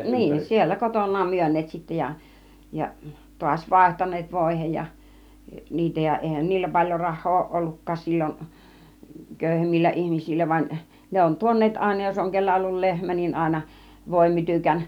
niin siellä kotonaan myyneet sitten ja ja taas vaihtaneet voihin ja niitä ja eihän niillä paljon rahaa ole ollutkaan silloin köyhemmillä ihmisillä vaan ne on tuoneet aina jos on kenellä ollut lehmä niin aina voimytykän